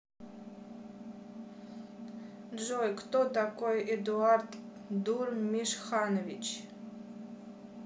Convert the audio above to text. джой кто такой эдуард дурмишханович